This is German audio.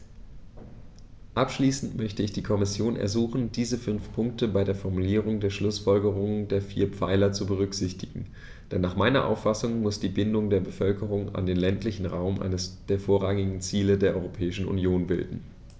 Abschließend möchte ich die Kommission ersuchen, diese fünf Punkte bei der Formulierung der Schlußfolgerungen der vier Pfeiler zu berücksichtigen, denn nach meiner Auffassung muss die Bindung der Bevölkerung an den ländlichen Raum eines der vorrangigen Ziele der Europäischen Union bilden.